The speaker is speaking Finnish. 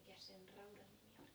mikäs sen raudan nimi oli